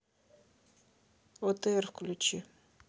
отр включи